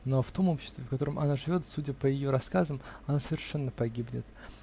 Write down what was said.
но в том обществе, в котором она живет, судя по ее рассказам, она совершенно погибнет.